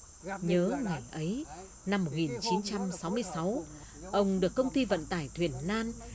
nhớ ngày ấy năm một nghìn chín trăm sáu mươi sáu ông được công ty vận tải thuyền nan